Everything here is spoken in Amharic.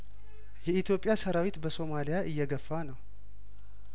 የኢትዮጵያ ሰራዊት በሶማሊያእየገፋ ነው